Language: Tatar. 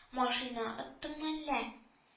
Машина оттыңмы әллә